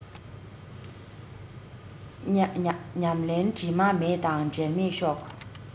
ཉམས ལེན དྲི མ མེད དང འབྲལ མེད ཤོག